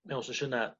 mewn sesiyna